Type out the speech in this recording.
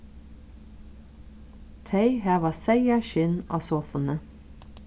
tey hava seyðaskinn á sofuni